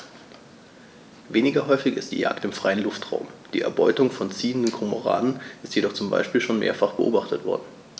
Weniger häufig ist die Jagd im freien Luftraum; die Erbeutung von ziehenden Kormoranen ist jedoch zum Beispiel schon mehrfach beobachtet worden.